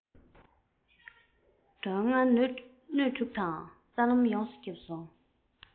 དོན ལྔ སྣོད དྲུག དང རྩ ལམ ཡོངས སུ ཁྱབ སོང